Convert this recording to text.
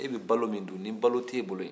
e bɛ balo min dun ni balo t'e bolo yen